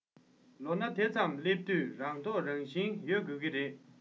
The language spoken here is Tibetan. ལོ ན དེ ཙམ ལ སླེབས དུས རང རྟོགས རང བཞིན ཡོད དགོས ཀྱི རེད